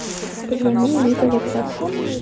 позвони элита ватсап